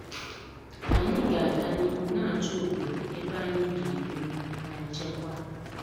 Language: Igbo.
Anyị ga-aga n'ihu na-achọ obodo ebe anyị ga-ebinwu na nchekwa.